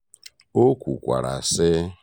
O kwukwara, sị: